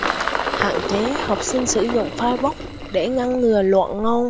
hạn chế học sinh sử dụng facebook để ngăn ngừa loạn ngôn